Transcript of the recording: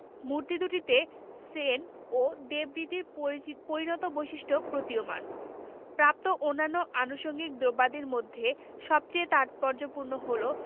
মূর্তি দুটিতে সেন ও দেব রীতির পরিণত বৈশিষ্ট্য প্রতীয়মান প্রাপ্ত অন্যান্য আনুষঙ্গিক দ্রব্যাদির মধ্যে সবচেয়ে তাৎপর্যপূর্ণ হলো